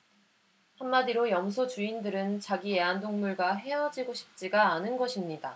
한마디로 염소 주인들은 자기 애완동물과 헤어지고 싶지가 않은 것입니다